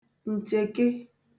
ǹchèke